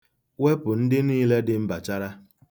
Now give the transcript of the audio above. Wepụ ndị niile dị mbachara.